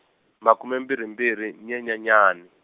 makume mbirhi mbirhi Nyenyenyani.